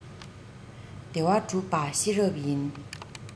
བདེ བ བསྒྲུབ པ ཤེས རབ ཡིན